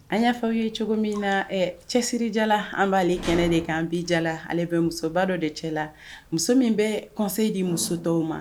An y'a ɲɛfɔw ye cogo min na ɛ cɛsirija la an b'ale kɛnɛ de k kan an bija ale bɛ musoba dɔ de cɛ la muso min bɛ kɔ di muso tɔw ma